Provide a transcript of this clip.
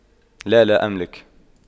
لا لا أملك